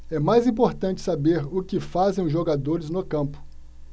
é mais importante saber o que fazem os jogadores no campo